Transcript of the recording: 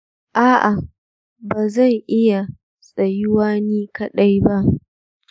a'a, ba zan iya tsayuwa ni kaɗai ba.